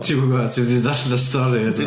Ti'm yn gwbod, ti'm 'di darllen y stori eto.